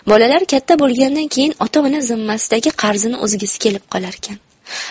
bolalar katta bo'lgandan keyin ota ona zimmasidagi qarzini uzgisi kelib qolarkan